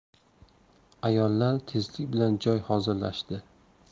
ayollar tezlik bilan joy hozirlashdi